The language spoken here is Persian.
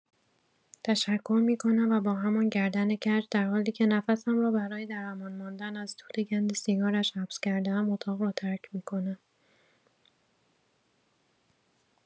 تشکر می‌کنم و با همان گردن کج در حالی که نفسم را برای در امان ماندن از دود گند سیگارش حبس کرده‌ام اتاق را ترک می‌کنم.